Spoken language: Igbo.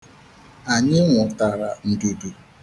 Anyị nwụtara ndudu.